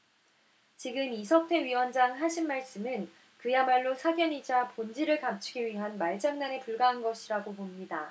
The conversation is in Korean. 지금 이석태 위원장 하신 말씀은 그야말로 사견이자 본질을 감추기 위한 말장난에 불과한 것이라고 봅니다